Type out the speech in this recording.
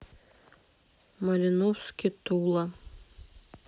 малиновский тула